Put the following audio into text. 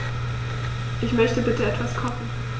Ich möchte bitte etwas kochen.